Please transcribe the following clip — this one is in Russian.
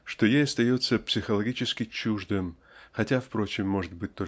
что ей остается психологически чуждым -- хотя впрочем может быть